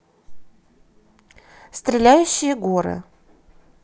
стреляющие горы